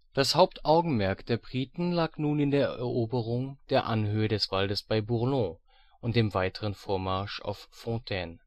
Das Hauptaugenmerk der Briten lag nun in der Eroberung der Anhöhe des Waldes bei Bourlon und dem weiteren Vormarsch auf Fontaine